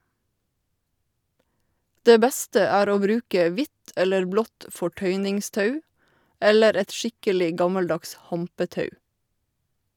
Det beste er å bruke hvitt eller blått fortøyningstau eller et skikkelig gammeldags hampetau.